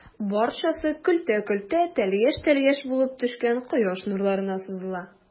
Барчасы көлтә-көлтә, тәлгәш-тәлгәш булып төшкән кояш нурларына сузыла.